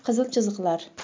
qizil chiziqlar